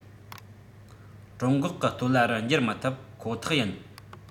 གྲང འགོག གི སྟོད ལྭ རུ འགྱུར མི ཐུབ ཁོ ཐག ཡིན